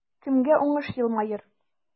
Кемгә уңыш елмаер?